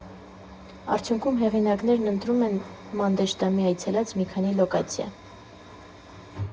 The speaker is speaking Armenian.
Արդյունքում հեղինակներն ընտրում են Մանդեշտամի այցելած մի քանի լոկացիա.